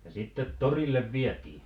ja sitten torille vietiin